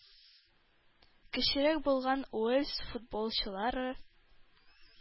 Кечерәк булган уэльс футболчылары